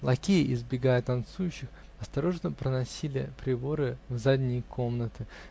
лакеи, избегая танцующих, осторожно проносили приборы в задние комнаты